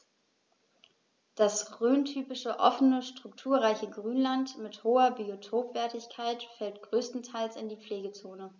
Das rhöntypische offene, strukturreiche Grünland mit hoher Biotopwertigkeit fällt größtenteils in die Pflegezone.